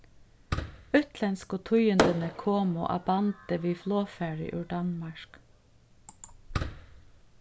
útlendsku tíðindini komu á bandi við flogfari úr danmark